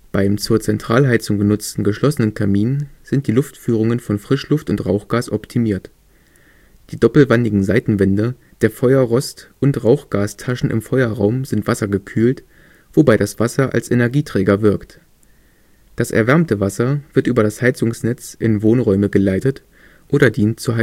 Beim zur Zentralheizung genutzten geschlossenen Kamin sind die Luftführungen von Frischluft und Rauchgas optimiert. Die doppelwandigen Seitenwände, der Feuerrost und Rauchgastaschen im Feuerraum sind wassergekühlt, wobei das Wasser als Energieträger wirkt. Das erwärmte Wasser wird über das Heizungsnetz in Wohnräume geleitet oder dient zur